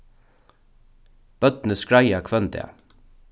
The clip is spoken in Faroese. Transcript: børnini skreiða hvønn dag